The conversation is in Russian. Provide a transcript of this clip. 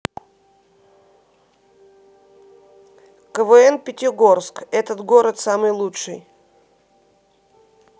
квн пятигорск этот город самый лучший